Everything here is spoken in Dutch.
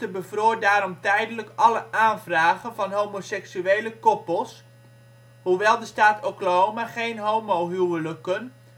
bevroor daarom tijdelijk alle aanvragen van homoseksuele koppels. Hoewel de staat Oklahoma geen homohuwelijken of geregistreerde